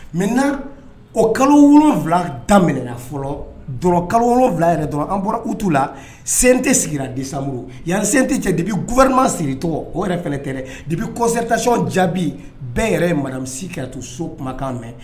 Mɛ na o kalo wolonwula damin fɔlɔ kalowula yɛrɛ dɔrɔn an bɔra utuu la sen tɛ sigira demuru yansen tɛ cɛ debi g gauma siri tɔgɔ o yɛrɛ tɛ debi kɔɛcɔn jaabi bɛɛ yɛrɛ ye maramusosi kɛra to so kumakan mɛn